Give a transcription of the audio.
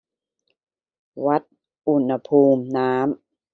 วัดอุณหภูมิน้ำ